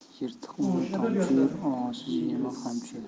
yirtiq uyni tomchi yer og'asiz emi qamchi yer